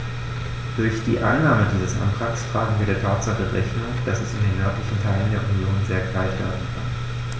Durch die Annahme dieses Antrags tragen wir der Tatsache Rechnung, dass es in den nördlichen Teilen der Union sehr kalt werden kann.